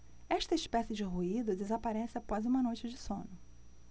esta espécie de ruído desaparece após uma noite de sono